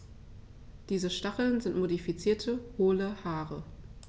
Diese Stacheln sind modifizierte, hohle Haare.